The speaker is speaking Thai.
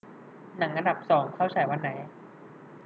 หนังอันดับสองเข้าฉายวันไหน